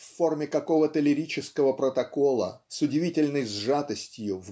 в форме какого-то лирического протокола с удивительной сжатостью